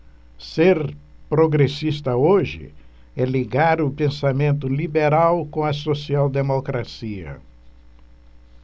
ser progressista hoje é ligar o pensamento liberal com a social democracia